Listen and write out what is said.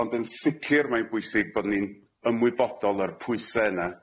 Ond yn sicir mae'n bwysig bod ni'n ymwybodol o'r pwyse yna,